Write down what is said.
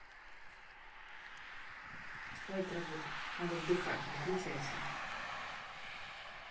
хватит работать надо отдыхать выключайся